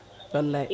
wallay